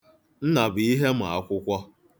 Nnabụihe ma akwụkwọ.